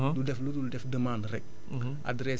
bu amoon béykat bu nga xamante ne nii dafa bëgg phosphate